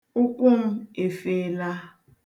Ụkwụ m efeela.